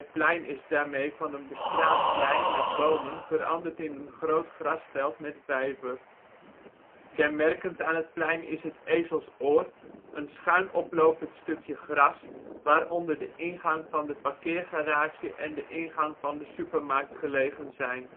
plein is daarmee van een bestraat plein met bomen veranderd in een groot grasveld met vijver. Kenmerkend aan het plein is het ' ezelsoor ', een schuin oplopend stukje gras waaronder de ingang van de parkeergarage en de ingang van de supermarkt gelegen zijn